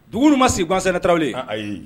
Dugu ninnu ma sigi gansanna tarawelewu ayi